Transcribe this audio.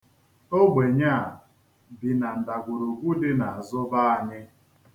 Ogbenye a bi na ndagwurugwu dị n'azụ be anyị.